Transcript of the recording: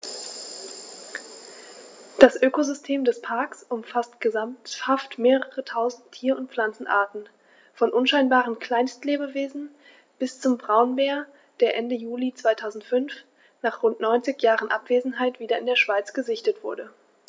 Das Ökosystem des Parks umfasst gesamthaft mehrere tausend Tier- und Pflanzenarten, von unscheinbaren Kleinstlebewesen bis zum Braunbär, der Ende Juli 2005, nach rund 90 Jahren Abwesenheit, wieder in der Schweiz gesichtet wurde.